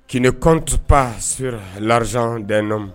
Kini kɔnp z ntnaw